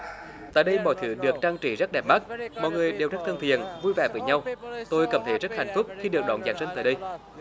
tại đây mọi thứ được trang trí rất đẹp mắt mọi người đều rất thân thiện vui vẻ với nhau tôi cảm thấy rất hạnh phúc khi được đón giáng sinh tại đây